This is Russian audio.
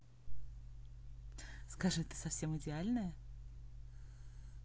скажи ты совсем идеальная